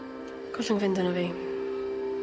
Gollwng fynd arno fi.